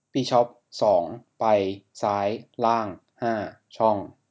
บิชอปสองไปซ้ายล่างห้าช่อง